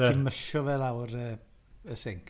Ti mysio fe lawr yy y sinc.